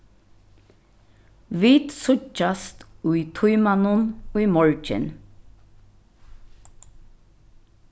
vit síggjast í tímanum í morgin